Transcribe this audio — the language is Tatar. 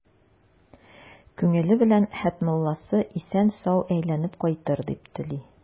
Күңеле белән Хәтмулласы исән-сау әйләнеп кайтыр дип тели.